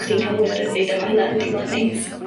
chdi'n ca'l mwy o ryddid a ma' hyna yn deimlad neis.